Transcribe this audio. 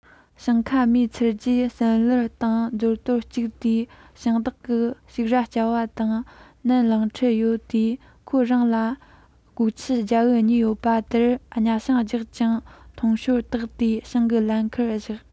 ཞིང ཁ རྨོས ཚར རྗེས སན ལར ཏང མཛོ དོར གཅིག དེ ཞིང བདག གི ཕྱུགས རར བསྐྱལ བ དང ནམ ལངས གྲབས ཡོད དུས ཁོ རང ལ སྒོ ཁྱི རྒྱའུ གཉིས ཡོད པར དེར གཉའ ཤིང རྒྱབ ཅིང ཐོང གཤོལ བཏགས ཏེ ཞིང གི ལམ ཁར བཞག